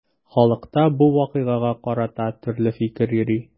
Халыкта бу вакыйгага карата төрле фикер йөри.